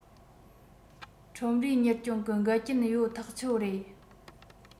ཁྲོམ རའི གཉེར སྐྱོང གི འགལ རྐྱེན ཡོད ཐག ཆོད རེད